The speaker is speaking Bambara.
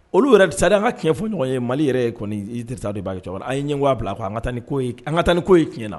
Olu yɛrɛsa an kaɲɛ foyiɲɔgɔn ye mali yɛrɛ ye kɔnisa dɔw b'a kɛ cɛkɔrɔba a ye ɲɛ k'a bila a' an ka taa ni an ka tan ni ko ye na